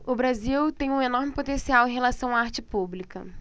o brasil tem um enorme potencial em relação à arte pública